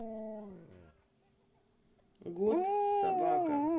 года собака